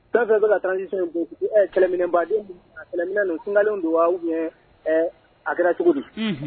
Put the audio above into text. Taa fɛ bɛka ka taaransi kɛlɛminen baden kɛlɛminka don wa a kɛra cogo di